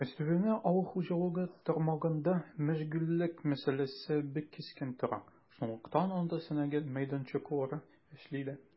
Өстәвенә, авыл хуҗалыгы тармагында мәшгульлек мәсьәләсе бик кискен тора, шунлыктан анда сәнәгать мәйданчыклары эшли дә.